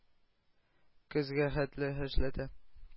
Көзгә хәтле эшләтә.